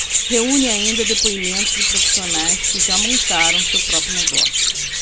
reúne ainda depoimentos de profissionais que já montaram seu próprio negócio